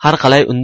har qalay